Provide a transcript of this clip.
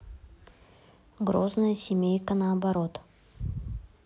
грозная семейка наоборот